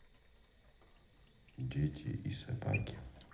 дети и собаки